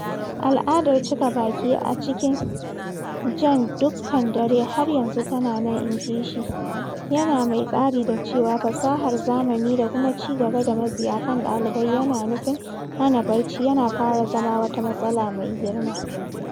Al’adar cika baki a cikin ‘jan dukkan dare’ har yanzu tana nan, inji shi, yana mai ƙari da cewa fasahar zamani da kuma ci gaba da matsi a kan ɗalibai yana nufin hana barci yana fara zama wata matsala mai girma.